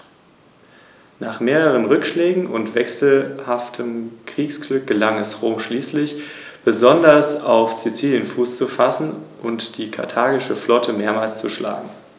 Im Gegensatz zu allen anderen Vertretern der Gattung hebt der Steinadler seine Flügel im Segelflug leicht an, so dass ein leicht V-förmiges Flugbild zustande kommt.